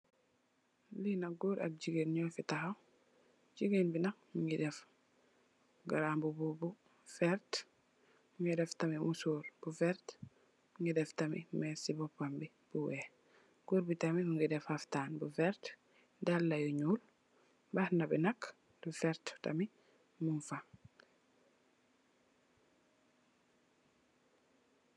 Final gore ak gigen njofi taxaw gigen bi mongi def garambobu bou werte ak mousore bou werte mogi deftamit meese ci bopambi gorebitamit mogidef haftan bou werte bahanabi tamit Lou werte mongfa